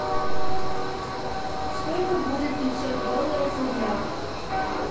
сколько будет пятьсот долларов в рублях